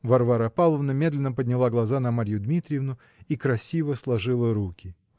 Варвара Павловна медленно подняла глаза на Марью Дмитриевну и красиво сложила руки.